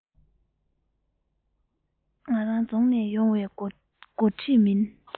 ང རང རྫོང ནས ཡོང བའི མགོ ཁྲིད མིན